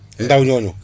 ndaw ñooñu